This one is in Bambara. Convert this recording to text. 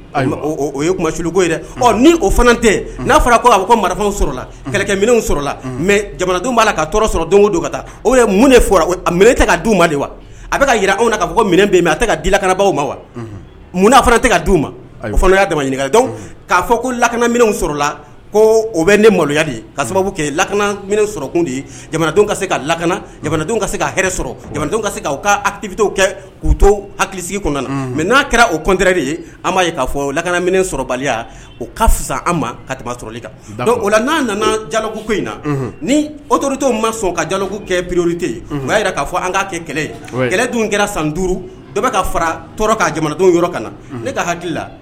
O yeku fana tɛ n'a kɛlɛ mɛ jamanadenw b'a ka don don ka taa mun a ka di ma de wa a bɛ jira anw kaa fɔ minɛn bɛ a ka dikanabagaw ma wa munna'a fana tɛ ka di u ma o y'a dama k'a fɔ ko lakana ko o bɛ ne maloya ka sababu kɛ lakanakun de ye jamana ka se ka lakana jamanadenw ka se ka sɔrɔ jamanadenw ka kakifiw kɛ k'u to hakilisigi kɔnɔna mɛ n'a kɛra o kɔnteɛre de ye an'a ye'a fɔ lakana sɔrɔbaliya o ka fisa an ma ka tɛmɛli kan don o la n'a nana jaloku ko in na ni otourute ma sɔn ka jalo kɛ piriorolite o jira k'a fɔ an ka kɛ kɛlɛ kɛlɛ dun kɛra san duuru dɔ bɛ ka fara tɔɔrɔ ka jamanadenw yɔrɔ ka ne ka hakili la